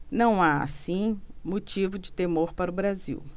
não há assim motivo de temor para o brasil